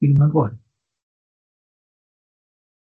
Dwi ddim yn gwybod.